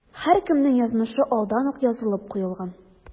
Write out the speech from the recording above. Һәркемнең язмышы алдан ук язылып куелган.